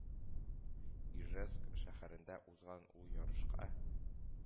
Ижевск шәһәрендә узган ул ярышка